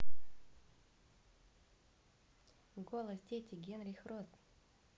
голос дети генрих род